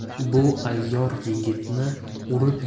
bu ayyor yigitni urib